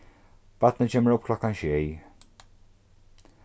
barnið kemur upp klokkan sjey